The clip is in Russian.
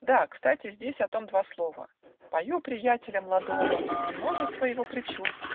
Да кстати, здесь о том два слова: Пою приятеля младого И множество его причуд.